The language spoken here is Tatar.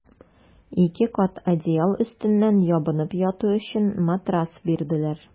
Ике кат одеял өстеннән ябынып яту өчен матрас бирделәр.